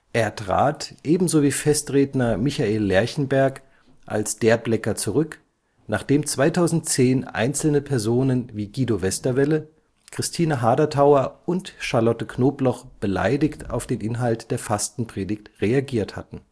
Er trat, ebenso wie Festredner Michael Lerchenberg, als Derblecker zurück, nachdem 2010 einzelne Personen wie Guido Westerwelle, Christine Haderthauer und Charlotte Knobloch beleidigt auf den Inhalt der Fastenpredigt reagiert hatten